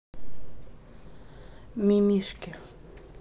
ми мишки